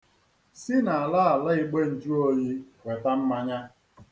Si n'alaala igbejuoyi weta mmanya.